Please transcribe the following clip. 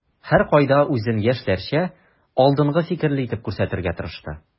Һәркайда үзен яшьләрчә, алдынгы фикерле итеп күрсәтергә тырышты.